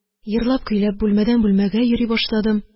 Йырлап-көйләп бүлмәдән бүлмәгә йөри башладым.